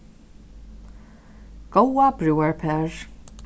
góða brúðarpar